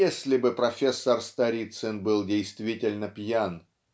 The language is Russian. Если бы профессор Сторицын был действительно пьян!